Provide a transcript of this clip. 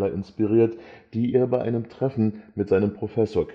inspiriert, die er bei einem Treffen mit seinem Professor